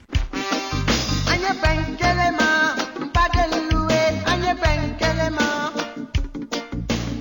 San an ye fa kelen ba deli ye an fa kelen